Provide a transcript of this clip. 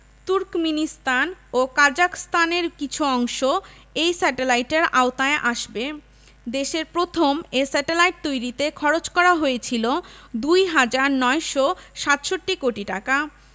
Turkmenistan ও কাজাখস্তানের কিছু অংশ এই স্যাটেলাইটের আওতায় আসবে দেশের প্রথম এ স্যাটেলাইট তৈরিতে খরচ করা হয়েছিল ২ হাজার ৯৬৭ কোটি টাকা